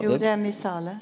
jo det er ein missale.